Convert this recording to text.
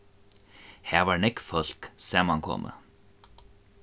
har var nógv fólk saman komið